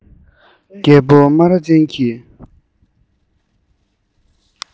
རྒད པོ རྨ ར ཅན གྱི